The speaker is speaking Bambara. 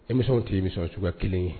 Dmisɛnw tɛ nisɔn cogoya kelen ye